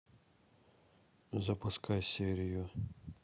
запускай серию